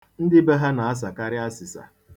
Ndị be ha na-asakarị asịsa.